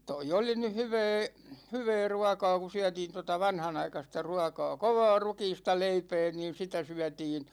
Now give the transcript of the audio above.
tuo oli nyt hyvää hyvää ruokaa kun syötiin tuota vanhanaikaista ruokaa kovaa rukiista leipää niin sitä syötiin